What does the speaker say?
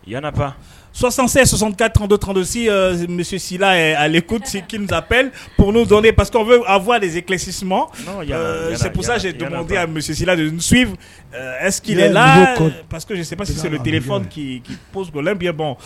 Sɔsan sɔsantɔn tɔnsi misisi ale kusip p pa que a fɔ de see kisi misisi ɛla pasi p bɛ ban